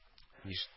Ниш